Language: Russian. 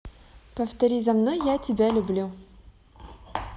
повтори за мной я тебя люблю